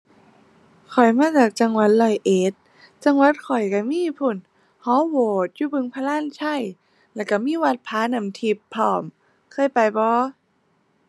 ข้อยมาจากจังหวัดร้อยเอ็ด จังหวัดข้อยก็มีพู้น หอโหวดอยู่บึงพลาญชัย แล้วก็มีวัดผาน้ำทิพย์พร้อม เคยไปบ่